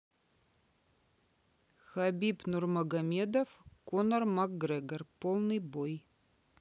хабиб нурмагомедов конор макгрегор полный бой